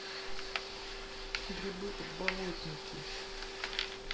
грибы подболотники